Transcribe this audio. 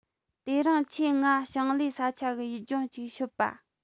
དེ རིང ཁྱོས ངའ ཞིང ལས ས ཆ གི ཡུལ ལྗོངས ཅིག ཤོད པྰ